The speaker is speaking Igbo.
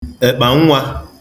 ẹ̀kpànwā